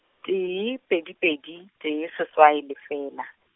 tee, pedi pedi, tee seswai lefela.